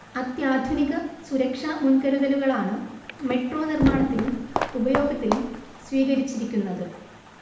അത്യാധുനിക സുരക്ഷാ മുൻകരുതലുകളാണ് മെട്രോ നിർമ്മാണത്തിലും ഉപയോഗത്തിലും സ്വീകരിച്ചിരിക്കുന്നത്